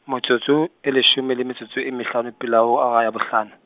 motsotso, e leshome le metsotso e mehlano pela ho hora ya bohlano.